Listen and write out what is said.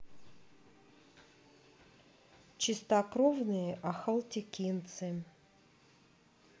чистокровные ахалтекинцы